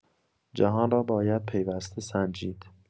جهان را باید پیوسته سنجید.